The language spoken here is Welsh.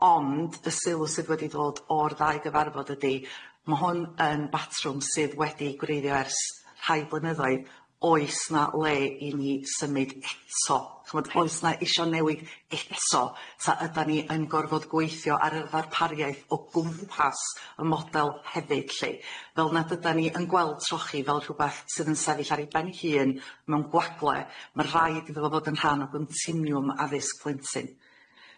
ond y sylw sydd wedi dod o'r ddau gyfarfod ydi ma' hwn yn batrwm sydd wedi gwreiddio ers rhai blynyddoedd oes 'na le i ni symud eto ch'bod oes 'na isio newid eto ta ydan ni yn gorfod gweithio ar yr ddarpariaeth o gwmpas y model hefyd lly fel nad ydan ni yn gweld trochi fel rhwbath sydd yn sefyll ar ei ben ei hun mewn gwagle, ma' rhaid iddo fo fod yn rhan o gontiniwwm addysg plentyn.